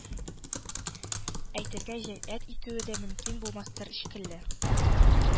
Әйтергә җөрьәт итүе дә мөмкин булмастыр шикелле